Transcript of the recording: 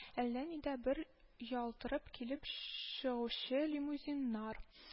Әллә нидә бер ялтырап килеп чыгучы лимузиннар